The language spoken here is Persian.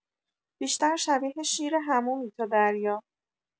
بیشتر شبیه شیر حمومی تا دریا